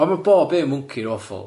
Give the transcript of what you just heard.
Ond ma' bob un mwnci'n awful.